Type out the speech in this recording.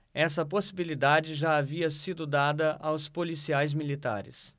essa possibilidade já havia sido dada aos policiais militares